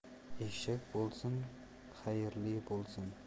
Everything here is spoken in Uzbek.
eshak bo'lsin xayrli bo'lsin